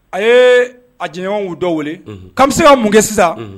A ye a jɲɔgɔnw dɔ wele an bɛ se ka mun kɛ sisan